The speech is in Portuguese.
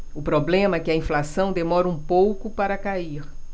o problema é que a inflação demora um pouco para cair